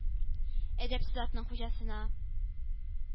Әдәпсез атның хуҗасына: